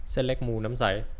เส้นเล็กหมูน้ำใส